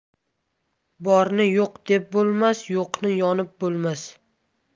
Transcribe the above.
borni yo'q deb bo'lmas yo'qni yo'nib bo'lmas